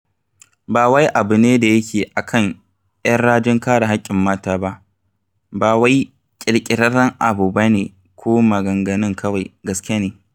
Ba wai abu ne da yake a kan 'yan rajin kare haƙƙin mata ba, ba wai ƙirƙirarren abu ba ne ko maganganun kawai: GASKE NE!